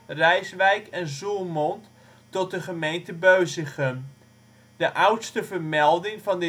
Rijswijk en Zoelmond tot de gemeente Beusichem. De oudste vermelding van